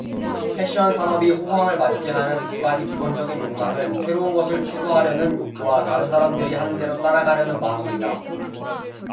패션 산업이 호황을 맞게 하는 두 가지 기본적인 욕망은 새로운 것을 추구하려는 욕구와 다른 사람들이 하는 대로 따라가려는 마음입니다